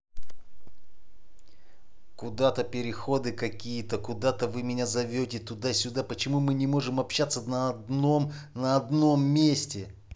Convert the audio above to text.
куда то переходы какие то куда то вы меня зовете туда сюда почему мы не можем общаться на одном на одном месте